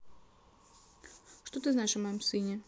что ты знаешь о моем сыне